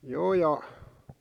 joo ja